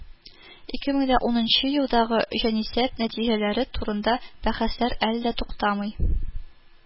Ике мең дә унынчы елдагы җанисәп нәтиҗәләре турында бәхәсләр әле дә туктамый